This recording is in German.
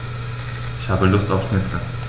Ich habe Lust auf Schnitzel.